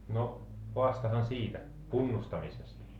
no haastahan siitä hunnustamisesta